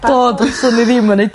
Do dylswn i ddim wedi.